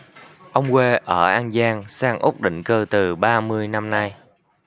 ông quê ở an giang sang úc định cư từ ba mươi năm nay